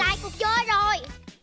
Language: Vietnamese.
lại cuộc chơi rồi